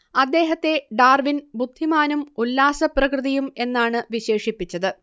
അദ്ദേഹത്തെ ഡാർവിൻ ബുദ്ധിമാനും ഉല്ലാസപ്രകൃതിയും എന്നാണ് വിശേഷിപ്പിച്ചത്